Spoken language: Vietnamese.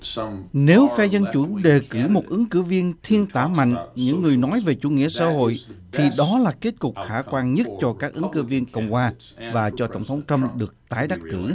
nếu phe dân chủ đề cử một ứng cử viên thiên tả mạnh những người nói về chủ nghĩa xã hội vì đó là kết cục khả quan nhất cho các ứng cử viên cộng hòa và cho tổng thống trăm được tái đắc cử